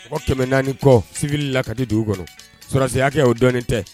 O tɛmɛn naani kɔ sibili la kadi dugu kɔnɔ sɔyakɛ y'o dɔɔnin tɛ